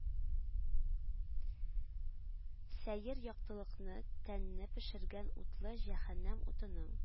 Сәер яктылыкны, тәнне пешергән утлы җәһәннәм утының